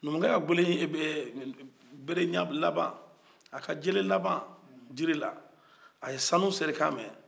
numukɛ ka gebe berelaban a ka jele laban jiri la a ye sanu sere kan mɛn